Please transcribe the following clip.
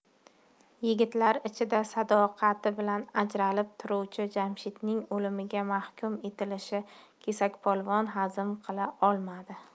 yigitlar ichida sadoqati bilan ajralib turuvchi jamshidning o'limga mahkum etilishini kesakpolvon hazm qila olmadi